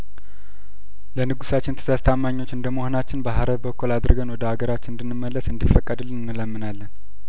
ለንጉሳችን ትእዛዝ ታማኞች እንደመሆናችን በሀረር በኩል አድርገን ወደ አገራችን እንድን መለስ እንዲፈቀድልን እንለምናለን